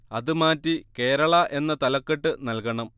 അത് മാറ്റി കേരള എന്ന് തലക്കെട്ട് നൽകണം